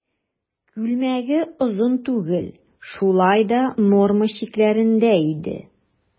Күлмәге озын түгел, шулай да норма чикләрендә иде.